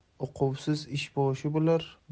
uquvsiz ishboshi bo'lsa